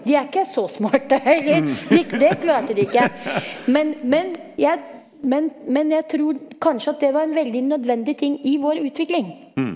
de er ikke så smarte eller det klarte de ikke, men men jeg men men jeg tror kanskje at det var en veldig nødvendig ting i vår utvikling.